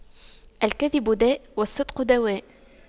الكذب داء والصدق دواء